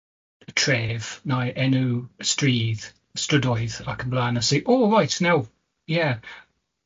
tref neu enw stryd, strydoedd, ac yn blaen, a say, oh right, now, yeah